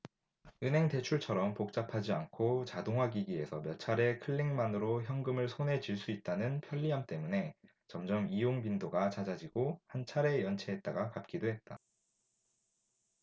은행 대출처럼 복잡하지 않고 자동화기기에서 몇 차례 클릭만으로 현금을 손에 쥘 수 있다는 편리함 때문에 점점 이용 빈도가 잦아지고 한 차례 연체했다가 갚기도 했다